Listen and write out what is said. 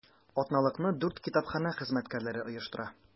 Атналыкны дүрт китапханә хезмәткәрләре оештыра.